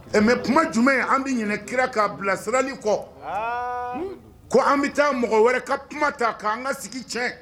Mais tuma jumɛn an bɛ ɲinan kira k'a bilasirali kɔ ko an bɛ taa mɔgɔ wɛrɛ ka kuma ta k'an ka sigi tiɲɛ.